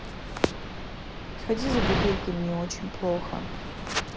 сходи за бутылкой мне очень плохо